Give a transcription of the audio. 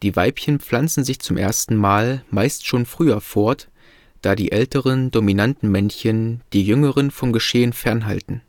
Weibchen pflanzen sich zum ersten Mal meist schon früher fort, da die älteren dominanten Männchen die jüngeren vom Geschehen fernhalten